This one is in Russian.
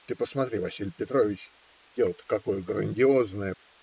Ты посмотри, Василий Петрович, дело-то какое грандиозное